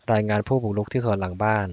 รายงานผู้บุกรุกที่สวนหลังบ้าน